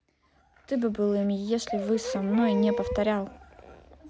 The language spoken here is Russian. ты бы был им если вы со мной не повторял